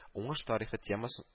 Уңыш тарихы темасы